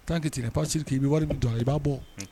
Tant que tu n'est pas sur que i bɛ wari min don ala i b'a bɔ